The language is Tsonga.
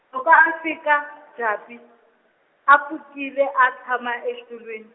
loko a fika Japi, a a pfukile a tshama exitulwini.